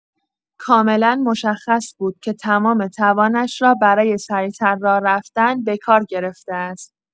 کاملا مشخص بود که تمام توانش را برای سریع‌تر راه‌رفتن به کار گرفته است.